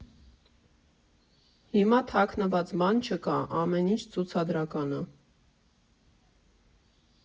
Հիմա թաքնված բան չկա, ամեն ինչ ցուցադրական ա։